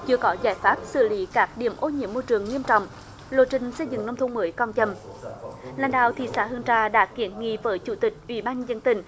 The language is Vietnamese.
chưa có giải pháp xử lý các điểm ô nhiễm môi trường nghiêm trọng lộ trình xây dựng nông thôn mới còn chậm lãnh đạo thị xã hương trà đã kiến nghị với chủ tịch ủy ban nhân dân tỉnh